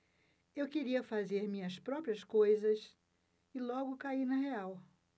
eu queria fazer minhas próprias coisas e logo caí na real